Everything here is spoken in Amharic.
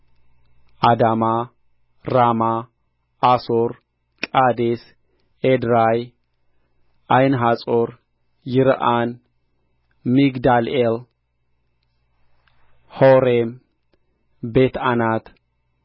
አዳማ ራማ አሶር ቃዴስ ኤድራይ ዓይንሐጾር ይርኦን ሚግዳልኤል ሖሬም ቤትዓናት